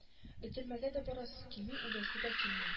Өтөрмәгә дә барасы килми үләсе дә килми